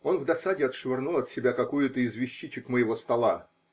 Он в досаде отшвырнул от себя какую-то из вещичек моего стола.